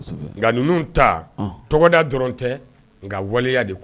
Nka ninnu ta tɔgɔda dɔrɔn tɛ nka waleya de ko